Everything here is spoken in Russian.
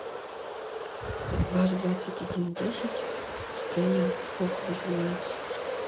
ваз двадцать один десять сцепление плохо выжимается